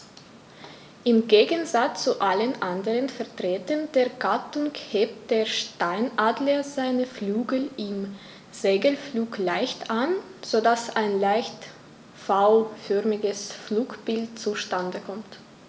Im Gegensatz zu allen anderen Vertretern der Gattung hebt der Steinadler seine Flügel im Segelflug leicht an, so dass ein leicht V-förmiges Flugbild zustande kommt.